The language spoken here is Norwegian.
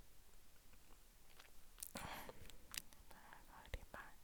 Er ferdig snart?